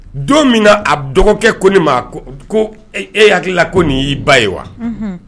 Don min a dɔgɔkɛ ko ne ma ko e hakili ko nin y'i ba ye wa